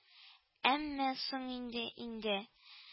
Әмма соң инде инде